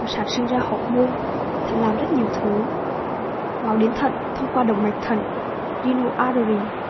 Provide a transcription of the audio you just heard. và sản sinh ra hormone thận làm rất nhiều thứ máu đến thận thông qua động mạch thận